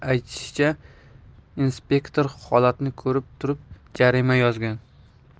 aytilishicha inspektor holatni ko'rib turib jarima yozgan